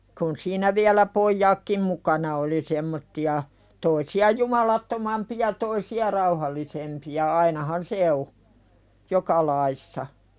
kun siinä vielä pojatkin mukana oli semmoisia toisia jumalattomampia toisia rauhallisempia ainahan se on joka lajissa